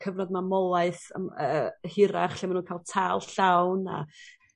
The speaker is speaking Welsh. cyfnod mamolaeth yym yy hirach lle ma' nw'n ca'l tâl llawn a